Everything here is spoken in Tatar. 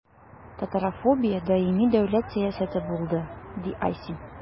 Татарофобия даими дәүләт сәясәте булды, – ди Айсин.